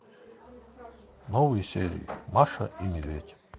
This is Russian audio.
новые серии маша и медведь